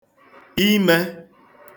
imē